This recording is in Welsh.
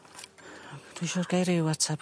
Dwi'n siŵr gai ryw atab...